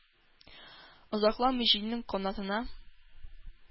Озакламый җилнең канатына